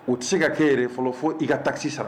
U tɛ se ka k'i yɛrɛ ye fɔlɔ fo i ka taxe i sara.